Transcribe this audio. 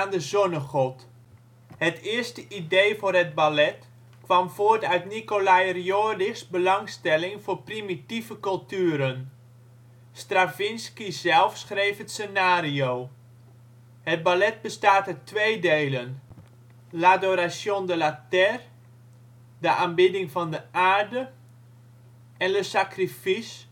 de zonnegod. Het eerste idee voor het ballet kwam voort uit Nikolaj Rjorich 's belangstelling voor primitieve culturen. Stravinsky zelf schreef het scenario. Het ballet bestaat uit de twee delen l'Adoration de la Terre (De aanbidding van de Aarde) en Le Sacrifice